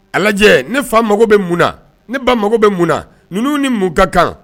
A lajɛ ne fa mago bɛ mun na ne ba mago bɛ mun na ninnu ni mun ka kan